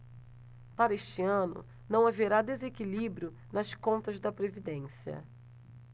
para este ano não haverá desequilíbrio nas contas da previdência